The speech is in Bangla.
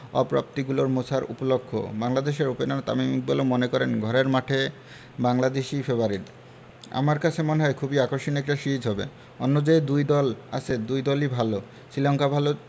অপ্রাপ্তিগুলোর মোছার উপলক্ষও বাংলাদেশের ওপেনার তামিম ইকবালও মনে করেন ঘরের মাঠে বাংলাদেশই ফেবারিট আমার কাছে মনে হয় খুবই আকর্ষণীয় একটা সিরিজ হবে অন্য যে দুই দল আছে দুই দলই ভালো শ্রীলঙ্কা ভালো